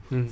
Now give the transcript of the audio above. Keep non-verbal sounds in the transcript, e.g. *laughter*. *hesitation* *hesitation*